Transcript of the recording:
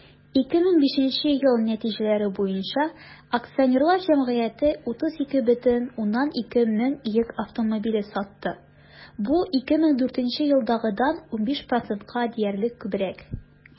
2005 ел нәтиҗәләре буенча акционерлар җәмгыяте 32,2 мең йөк автомобиле сатты, бу 2004 елдагыдан 15 %-ка диярлек күбрәк.